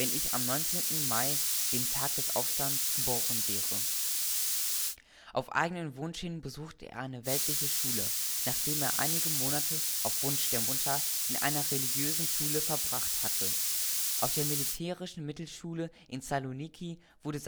ich am 19. Mai (dem Tag des Aufstands) geboren wäre “. Auf eigenen Wunsch hin besuchte er eine weltliche Schule, nachdem er einige Monate, auf Wunsch der Mutter, in einer religiösen Schule verbracht hatte. Auf der militärischen Mittelschule in Saloniki wurde